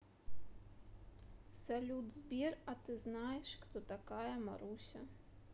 салют сбер а ты знаешь кто такая маруся